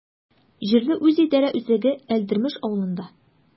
Җирле үзидарә үзәге Әлдермеш авылында.